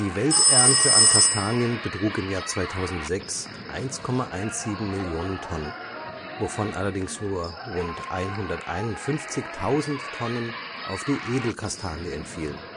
Welternte an Kastanien betrug 2006 1,17 Mio. Tonnen, wovon allerdings nur rund 151.000 Tonnen auf die Edelkastanie entfielen